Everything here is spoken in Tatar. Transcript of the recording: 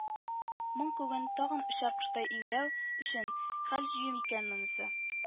Моң күген тагын очар коштай иңләү өчен хәл җыю икән монысы